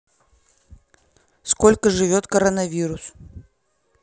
сколько живет коронавирус